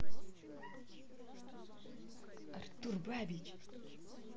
артур бабич